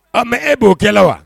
A mɛ e b'o kɛ wa